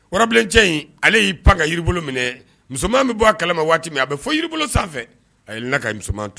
Warabilencɛ in ale y'i pan ka yiribolo minɛ musoman bɛ bɔ a kalama waati min a bɛ fɔ yiri bolo sanfɛ a la ka musoman tan